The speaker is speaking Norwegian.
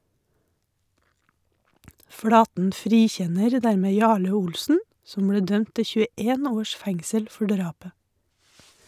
Flaten frikjenner dermed Jarle Olsen, som ble dømt til 21 års fengsel for drapet.